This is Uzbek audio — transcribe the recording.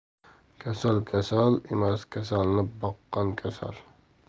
kasal kasal emas kasalni boqqan kasal